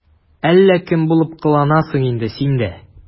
Әллә кем булып кыланасың инде син дә...